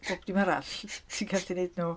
Pob dim arall ti'n gallu neud nw.